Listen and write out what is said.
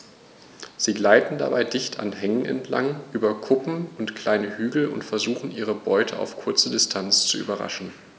Sie gleiten dabei dicht an Hängen entlang, über Kuppen und kleine Hügel und versuchen ihre Beute auf kurze Distanz zu überraschen.